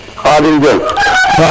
Khadim Dione